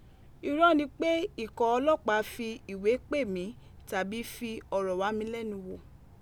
Irọ́ ni pẹ ikọ̀ ọlọ́pàá fi ìwé pè mí tàbí fi ọ̀rọ̀ wá mi lẹ́nu wò